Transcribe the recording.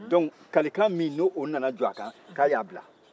dɔnku kalikan min n'o nana jɔ a kan k'a ya bila